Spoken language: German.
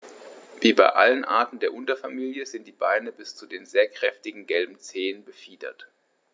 Wie bei allen Arten der Unterfamilie sind die Beine bis zu den sehr kräftigen gelben Zehen befiedert.